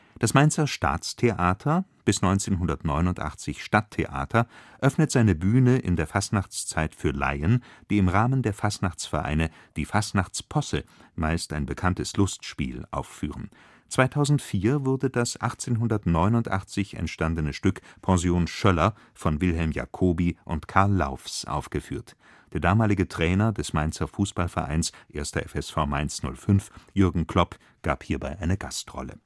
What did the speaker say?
Das Mainzer Staatstheater (bis 1989: „ Stadttheater “) öffnet seine Bühne in der Fastnachtszeit für Laien, die im Rahmen der Fastnachtsvereine die Fastnachtsposse, meist ein bekanntes Lustspiel, aufführen. 2004 wurde das 1889 entstandene Stück Pension Schöller von Wilhelm Jacoby und Carl Laufs aufgeführt; der damalige Trainer des Mainzer Fußballvereins 1. FSV Mainz 05, Jürgen Klopp, gab hierbei eine Gastrolle